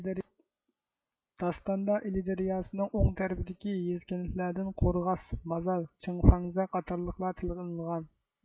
داستاندا ئىلى دەرياسىنىڭ ئوڭ تەرىپىدىكى يېزا كەنتلەردىن قورغاس مازار چىڭفەڭزە قاتارلىقلار تىلغا ئېلىنغان